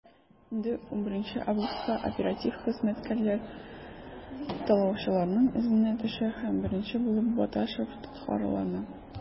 Инде 11 августка оператив хезмәткәрләр талаучыларның эзенә төшә һәм беренче булып Баташев тоткарлана.